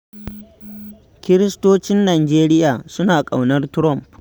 Kiristocin Najeriya suna ƙaunar Trumph.